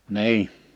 niin